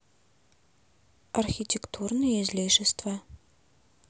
архитектурные излишества